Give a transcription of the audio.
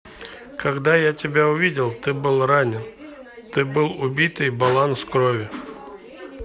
когда я тебя увидел ты был ранен ты был убитый баланс крови